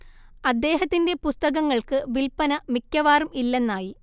അദ്ദേഹത്തിന്റെ പുസ്തകങ്ങൾക്ക് വില്പന മിക്കവാറും ഇല്ലെന്നായി